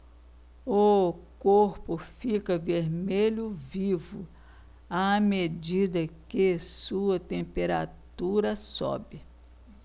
o corpo fica vermelho vivo à medida que sua temperatura sobe